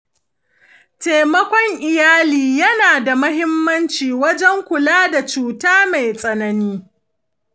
taimakon iyali yana da muhimmanci wajen kula da cuta mai tsanani.